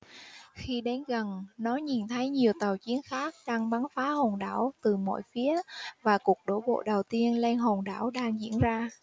khi đến gần nó nhìn thấy nhiều tàu chiến khác đang bắn phá hòn đảo từ mọi phía và cuộc đổ bộ đầu tiên lên hòn đảo đang diễn ra